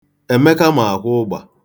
Emeka ma akwụ ụgba.